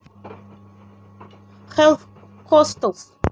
half castle